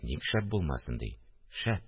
Ник шәп булмасын ди, шәп